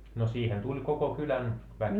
no siihen tuli koko kylän väki